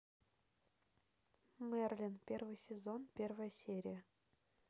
мерлин первый сезон первая серия